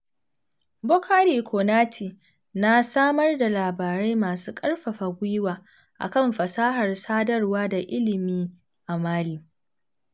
Boukary Konaté na samar da labarai masu ƙarfafa gwiwa a kan fasahar sadarwa da ilimi a Mali.